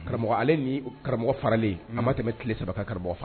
Karamɔgɔ ale ni karamɔgɔ faralen a tɛmɛ bɛ tile saba ka karamɔgɔ